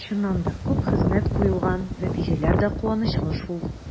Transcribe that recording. Чыннан да, күп хезмәт куелгач, нәтиҗәләр дә куанычлы шул.